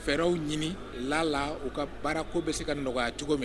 Fɛw ɲini lala u ka baara ko bɛ se ka nɔgɔya cogo minɛ